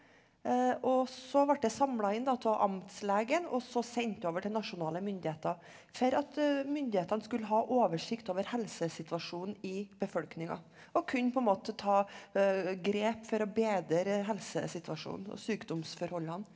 og så ble det samla inn da av amtslegen og så sendt over til nasjonale myndigheter for at myndighetene skulle ha oversikt over helsesituasjonen i befolkninga og kunne på en måte ta grep for å bedre helsesituasjonen og sykdomsforholdene.